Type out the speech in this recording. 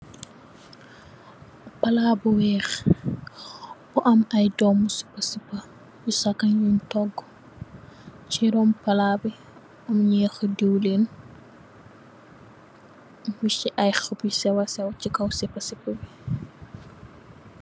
Palaas bu weex, bu am sipa sipa, yu sakkan yuñ toggu, ci ron palaas bi, ñeexi diwliin, def si xobbi sew si sipa sipa bi.